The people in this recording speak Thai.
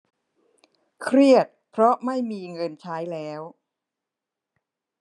เครียดเพราะไม่มีเงินใช้แล้ว